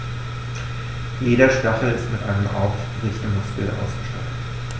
Jeder Stachel ist mit einem Aufrichtemuskel ausgestattet.